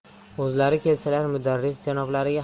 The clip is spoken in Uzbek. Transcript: o'zlari kelsalar mudarris janoblariga